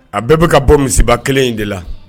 A bɛɛ bɛka ka bɔ misiba kelen in de la